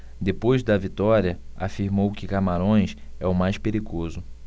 depois da vitória afirmou que camarões é o mais perigoso